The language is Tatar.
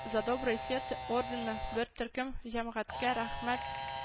“за доброе сердце” ордены, бер төркем җәмәгатькә рәхмәт